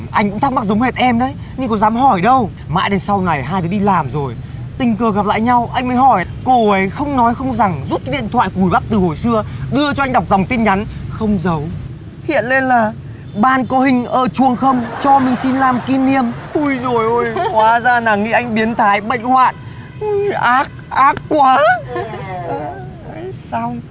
anh cũng thắc mắc giống hệt em đấy nhưng có dám hỏi đâu mãi đến sau này hai đứa đi làm rồi tình cờ gặp lại nhau anh mới hỏi cô ấy không nói không rằng rút cái điện thoại cùi bắp từ hồi xưa đưa cho anh đọc dòng tin nhắn không dấu hiện lên là ban co hinh o truong không cho minh xin làm ky niêm ui dồi ôi hóa ra nàng nghĩ anh biến thái bệnh hoạn ác ác quá sao